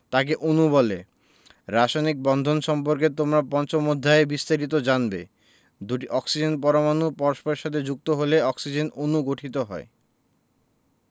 তাকে অণু বলে রাসায়নিক বন্ধন সম্পর্কে তোমরা পঞ্চম অধ্যায়ে বিস্তারিত জানবে দুটি অক্সিজেন পরমাণু পরস্পরের সাথে যুক্ত হয়ে অক্সিজেন অণু গঠিত হয়